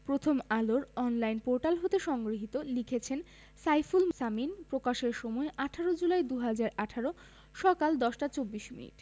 প্রথম আলোর online portal হতে সংগৃহীত লিখেছেন সাইফুল সামিন প্রকাশের সময় ১৮ জুলাই ২০১৮ সকাল ১০টা ২৪ মিনিট